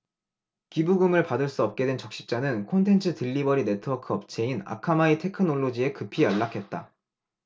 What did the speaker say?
기부금을 받을 수 없게 된 적십자는 콘텐츠 딜리버리 네트워크 업체인 아카마이 테크놀로지에 급히 연락했다